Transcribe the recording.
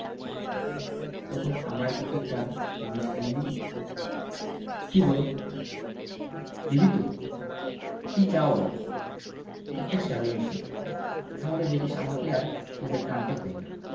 তখন আমায় কিছু একটা জিনিস এনে দিবি কি বলো দিবি তো কি চাও বলো একটা সেলাই মেশিন তাহলে দেখিস আমাকে আর তোদের টানতে হবে না